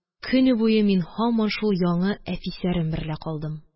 Көн буе мин һаман шул яңы әфисәрем берлә калдым